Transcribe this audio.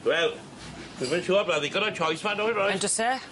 Wel, dwi'm yn siŵr ma' 'na ddigon o choice 'ma ? Yndos e?